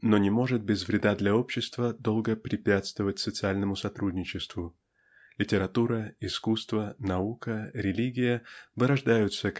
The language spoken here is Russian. но не может без вреда для общества долго препятствовать социальному сотрудничеству литература искусство наука религия вырождаются